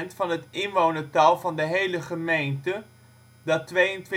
van het inwonertal van de hele gemeente (22.966